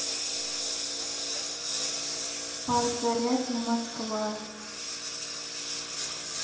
парк зарядье москва